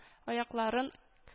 Аякларын